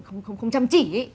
không không chăm chỉ ý